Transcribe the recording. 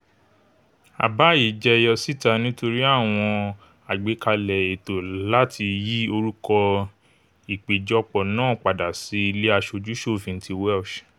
Àbá yìí jeyọ síta nítorí àwọn àgbàkalẹ̀ ètò láti yí orúkọ ìpéjọpọ náà padà sí Ilé Aṣoju-ṣòfin ti Welsh.